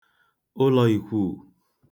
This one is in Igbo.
ụlọ īkwūù